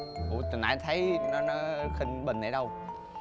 từ nãy thấy nó nó khênh cái bình để đâu